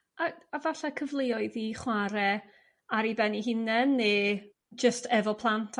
Ai... A fallai cyfleoedd i chwar'e ar 'u ben 'u hunen ne' jyst efo plant